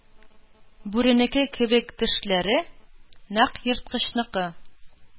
Бүренеке кебек тешләре, нәкъ ерткычныкы